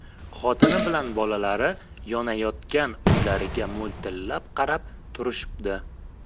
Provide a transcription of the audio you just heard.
xotini bilan bolalari yonayotgan uylariga mo'ltillab qarab turishibdi